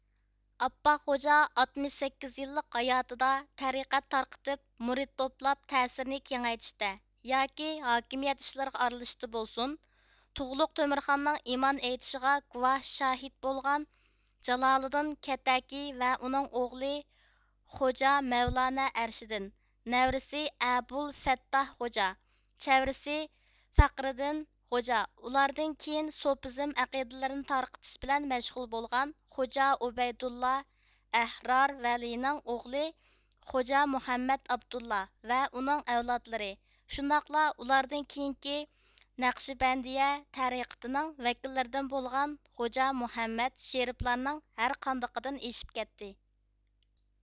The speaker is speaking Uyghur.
ئاپپاق خوجا ئاتمىش سەككىز يىللىق ھاياتىدا تەرىقەت تارقىتىپ مۇرىت توپلاپ تەسىرىنى كېڭەيتىشتە ياكى ھاكىمىيەت ئىشلىرىغا ئارىلىشىشتا بولسۇن تۇغلۇق تۆمۈرخاننىڭ ئىمان ئېيتىشىغا گۇۋاھ شاھىت بولغان جالالىدىن كەتەكىي ۋە ئۇنىڭ ئوغلى خوجا مەۋلانە ئەرشىدىن نەۋرىسى ئەبۇل فەتتاھ خوجا چەۋرىسى فەخرىدىن خوجا ئۇلاردىن كېيىن سوپىزم ئەقىدىلىرىنى تارقىتىش بىلەن مەشغۇل بولغان خوجا ئۇبەيدۇللا ئەھرار ۋەلىنىڭ ئوغلى خوجا مۇھەممەد ئابدۇللاھ ۋە ئۇنىڭ ئەۋلادلىرى شۇنداقلا ئۇلاردىن كېيىنكى نەقشىبەندىيە تەرىقىتىنىڭ ۋەكىللىرىدىن بولغان خوجا مۇھەممەد شېرىپلارنىڭ ھەر قاندىقىدىن ئېشىپ كەتتى